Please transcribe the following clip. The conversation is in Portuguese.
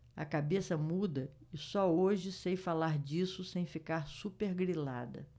a cabeça muda e só hoje sei falar disso sem ficar supergrilada